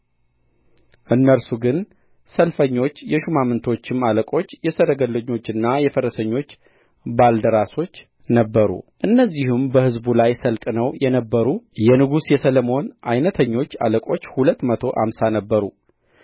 እነርሱ ግን ሰልፈኞች የሹማምቶችም አለቆች የሰረገሎችና የፈረሰኞች ባልደራሶች ነበሩ እነዚህም በሕዝቡ ላይ ሠልጥነው የነበሩ የንጉሡ የሰሎሞን ዓይነተኞች አለቆች ሁለት መቶ አምሳ ነበሩ